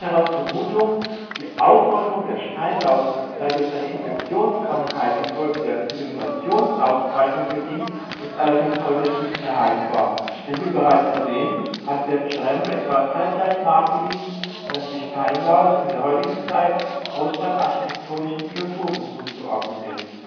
Vermutung, die Ausrottung der Steinlaus sei durch eine Infektionskrankheit infolge der Zivilisationsausbreitung bedingt, ist allerdings heute nicht mehr haltbar, denn wie bereits erwähnt, hatte der Pschyrembel etwa zeitgleich nachgewiesen, dass die Steinlaus in der heutigen Zeit großstadtarchitektonischen Biotopen zuzuordnen ist